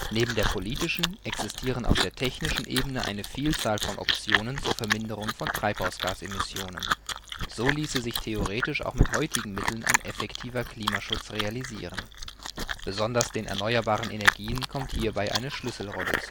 Neben der politischen existieren auf der technischen Ebene eine Vielzahl von Optionen zur Verminderung von Treibhausgasemissionen. So ließe sich theoretisch auch mit heutigen Mitteln ein effektiver Klimaschutz realisieren. Besonders den erneuerbaren Energien kommt hierbei eine Schlüsselrolle